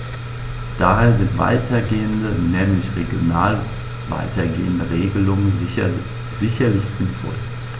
Daher sind weitergehende, nämlich regional weitergehende Regelungen sicherlich sinnvoll.